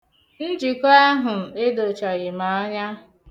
Njikọ ahụ edochaghị m anya.